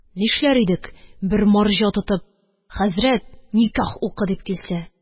Нишләр идек, бер марҗа тотып: «Хәзрәт, никях укы», – дип килсә